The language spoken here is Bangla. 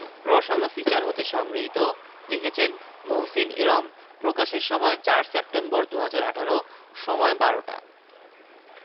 রসআলো ফিচার হতে সংগৃহীত লিখেছেনঃ মুহসিন ইরম প্রকাশের সময়ঃ ৪ সেপ্টেম্বর ২০১৮ সময়ঃ ১২টা